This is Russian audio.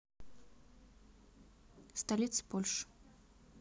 столица польши